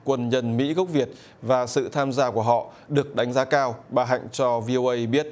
quân nhân mỹ gốc việt và sự tham gia của họ được đánh giá cao bà hạnh cho vi ô ây biết